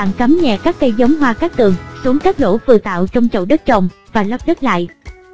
bạn cắm nhẹ các cây giống hoa cát tường xuống các lỗ vừa tạo trong chậu đất trồng và lấp đất lại